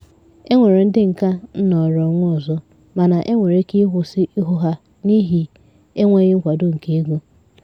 "E nwere ndị nkà nnoro onwe ọzọ, mana e nwere ike ịkwụsị ịhụ ha n'ihi enweghị nkwado nke ego.